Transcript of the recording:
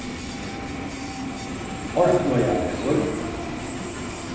orknoyavegur